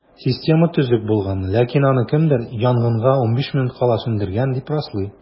Система төзек булган, ләкин аны кемдер янгынга 15 минут кала сүндергән, дип раслый.